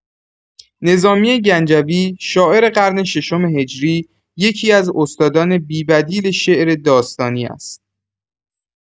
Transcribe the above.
نظامی‌گنجوی، شاعر قرن ششم هجری، یکی‌از استادان بی‌بدیل شعر داستانی است.